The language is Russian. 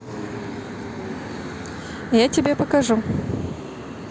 я тебе покажу